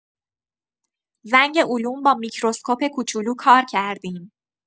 زنگ علوم با میکروسکوپ کوچولو کار کردیم.